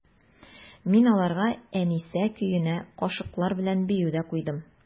Мин аларга «Әнисә» көенә кашыклар белән бию дә куйдым.